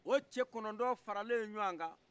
o cɛ kɔnɔntɔn fara le ɲɔgɔn kan